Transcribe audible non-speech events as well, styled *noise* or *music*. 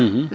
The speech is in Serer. *hesitation* *hesitation*